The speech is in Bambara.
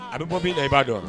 A bɛ bɔ minna i b'a dɔn